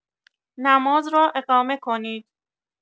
نماز را اقامه کنید